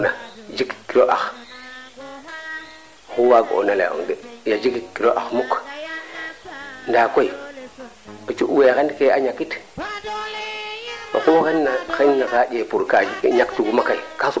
mee tamit nuun way leya ye kon axke ngara teela yo mbaa kaaf ke baa ngara teer na xanu mbaago ngeeka den a keeka la and naye bala roog fee mene bala roog fe deɓka xanu mbaago xana waago duufel bo jeg kaa yaquna teen ndax xanu mbaago ngeekooda